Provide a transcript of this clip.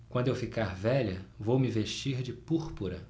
quando eu ficar velha vou me vestir de púrpura